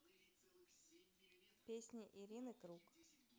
песни ирины круг